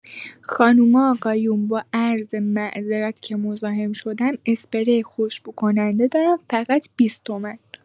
خانما آقایون، با عرض معذرت که مزاحم شدم، اسپری خوشبوکننده دارم، فقط بیست تومن!